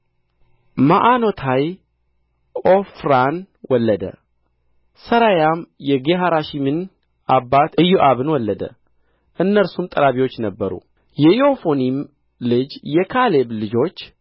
መዖኖታይ ዖፍራን ወለደ ሠራያም የጌሃራሽምን አባት ኢዮአብን ወለደ እነርሱም ጠራቢዎች ነበሩ የዮፎኒም ልጅ የካሌብ ልጆች